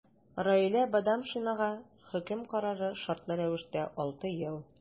Раилә Бадамшинага хөкем карары – шартлы рәвештә 6 ел.